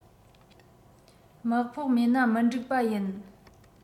དམག ཕོགས མེད ན མི འགྲིག པ ཡིན